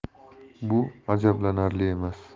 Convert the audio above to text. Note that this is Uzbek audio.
bu ajablanarli emas